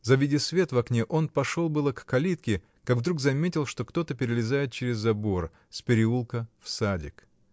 Завидя свет в окне, он пошел было к калитке, как вдруг заметил, что кто-то перелезает через забор, с переулка в садик.